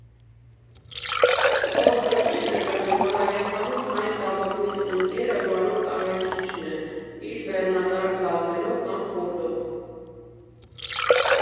Փորձը ցույց է տվել, որ Հայաստանում այդ լավագույն ընկերը վարորդ֊առաքիչն է՝ իր բեռնատար գազելով կամ ֆորդով։